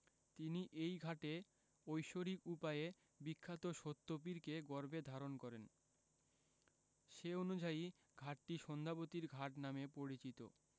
তিনি এই ঘাটে ঐশ্বরিক উপায়ে বিখ্যাত সত্যপীরকে গর্ভে ধারণ করেন সে অনুযায়ী ঘাটটি সন্ধ্যাবতীর ঘাট নামে পরিচিত